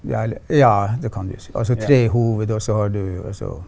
ja eller ja det kan du si, altså tre hoved og så har du også.